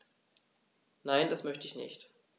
Nein, das möchte ich nicht.